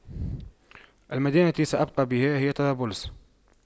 المدينة التي سأبقى بها هي طرابلس